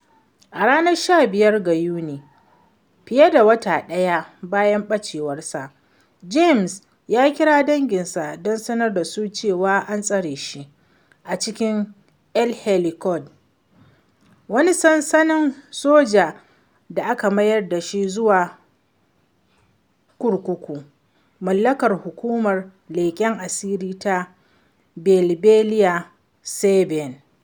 A ranar 15 ga Yuni, fiye da wata ɗaya bayan ɓacewar sa, Jaimes ya kira danginsa don sanar da su cewa an tsare shi a cikin El Helicoide, wani sansanin soja da aka mayar dashi zuwa kurkuku mallakar Hukumar Leƙen Asiri ta Boliberiya, SEBIN.